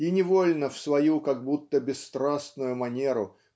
и невольно в свою как будто бесстрастную манеру